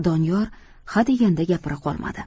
doniyor hadeganda gapira qolmadi